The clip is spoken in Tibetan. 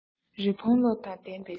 རི བོང བློ དང ལྡན པས བསད